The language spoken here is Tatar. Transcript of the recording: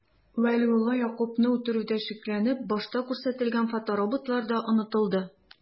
Вәлиулла Ягъкубны үтерүдә шикләнеп, башта күрсәтелгән фотороботлар да онытылды...